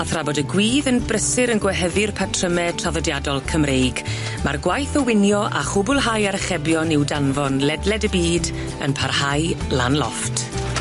A thra bod y gwydd yn brysur yn gwehyddu'r patryme traddodiadol Cymreig ma'r gwaith o winio a chwblhau archebion i'w danfon ledled y byd yn parhau lan lofft.